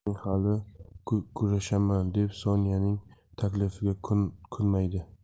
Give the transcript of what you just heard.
men hali kurashaman deb sonyaning taklifiga ko'nmaydi